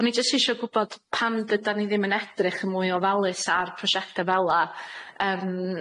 O'n i jyst isio gwbod pam dydan ni ddim yn edrych yn mwy ofalus ar prosiecte fel 'a, yym